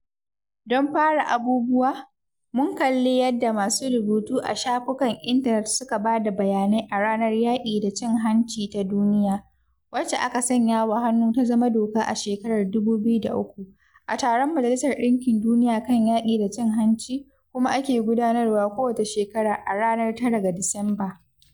Don fara abubuwa, mun kalli yadda masu rubutu a shafukan intanet suka bada bayanai a Ranar Yaƙi da Cin Hanci ta Duniya, wacce aka sanyawa hannu ta zama doka a shekarar 2003, a taron Majalisar Ɗinkin Duniya kan Yaƙi da Cin Hanci, kuma ake gudanarwa kowace shekara a ranar 9 ga Disamba.